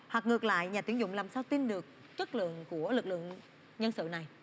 hoặc ngược lại nhà tuyển dụng làm sao tin được chất lượng của lực lượng nhân sự này